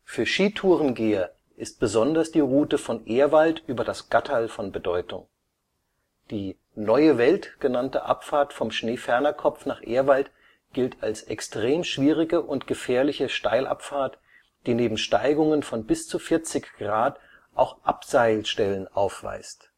Skitourengeher ist besonders die Route von Ehrwald über das Gatterl von Bedeutung. Die „ Neue Welt “genannte Abfahrt vom Schneefernerkopf nach Ehrwald gilt als extrem schwierige und gefährliche Steilabfahrt, die neben Steigungen bis zu 40° auch Abseilstellen aufweist